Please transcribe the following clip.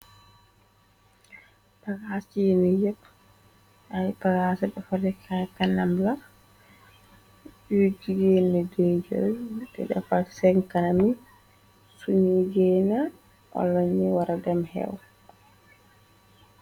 Baxaas ciinu yepp ay bagaa se dafa dixaay kanamla yuy jigeenne de jëy te defa sen kana mi suñuy geena ala ñi wara dem xeew.